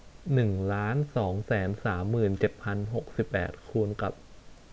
หนึ่งล้านสองแสนสามหมื่นเจ็ดพันหกสิบแปดคูณกับ